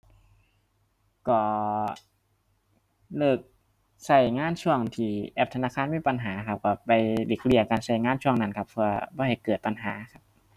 ก็เลิกใช้งานช่วงที่แอปธนาคารมีปัญหาครับ ก็ไปหลีกเลี่ยงการใช้งานช่วงนั้นครับ เพื่อบ่ให้เกิดปัญหา